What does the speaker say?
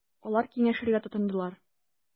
Алар киңәшергә тотындылар.